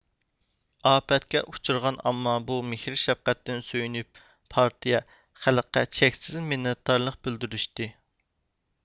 ئاپەتكە ئۇچرىغان ئامما بۇ مېھىر شەپقەتتىن سۆيۈنۈپ پارتىيە خەلققە چەكسىز مىننەتدارلىق بىلدۈرۈشتى